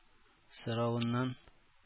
Соравыннан